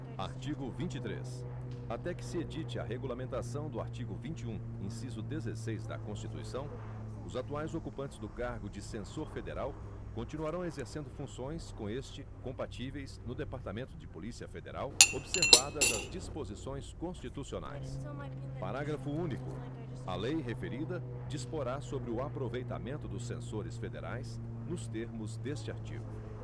artigo vinte e três até que se edite a regulamentação do artigo vinte e um inciso dezesseis da constituição os atuais ocupantes do cargo de censor federal continuarão exercendo funções com este compatíveis no departamento de polícia federal observadas as disposições constitucionais parágrafo único a lei referida disporá sobre o aproveitamento dos censores federais nos termos deste artigo